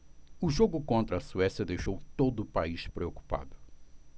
o jogo contra a suécia deixou todo o país preocupado